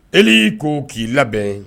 E y'i k ko k'i labɛn